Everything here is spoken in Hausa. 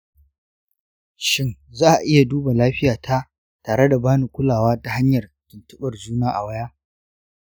shin za a iya duba lafiyata tare da ba ni kulawa ta hanyar tuntuɓar juna a waya?